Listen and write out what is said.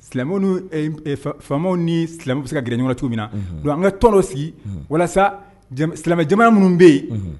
Silamɛ faw ni silamɛ se ka gɛrɛ ɲɔgɔn tu min na don an ka tɔn sigi walasa silamɛja minnu bɛ yen